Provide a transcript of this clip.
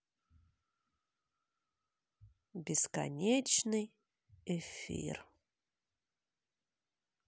бесконечный эфир